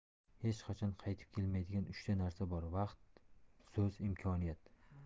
hech qachon qaytib kelmaydigan uchta narsa bor vaqt so'z imkoniyat